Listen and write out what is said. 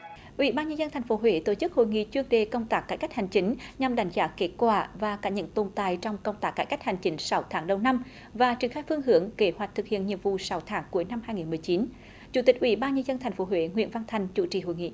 ủy ban nhân dân thành phố huế tổ chức hội nghị chuyên đề công tác cải cách hành chính nhằm đánh giá kết quả và cả những tồn tại trong công tác cải cách hành chính sáu tháng đầu năm và triển khai phương hướng kế hoạch thực hiện nhiệm vụ sáu tháng cuối năm hai nghìn mười chín chủ tịch ủy ban nhân dân thành phố huế nguyễn văn thành chủ trì hội nghị